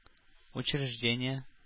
Учреждение